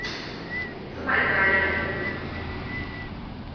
забайкалье